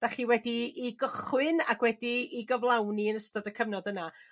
'da chi wedi'i i gychwyn ac wedi i gyflawni yn ystod y cyfnod yna.